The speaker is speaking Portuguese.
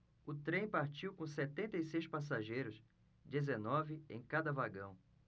o trem partiu com setenta e seis passageiros dezenove em cada vagão